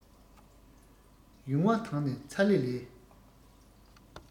ཡུང བ དང ནི ཚ ལེ ལས